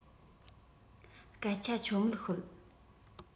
སྐད ཆ ཆོ མེད ཤོད